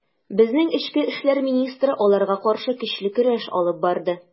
Безнең эчке эшләр министры аларга каршы көчле көрәш алып барды.